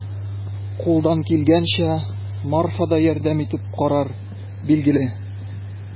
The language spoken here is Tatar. Кулдан килгәнчә Марфа да ярдәм итеп карар, билгеле.